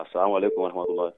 Asalamaku waramatulahi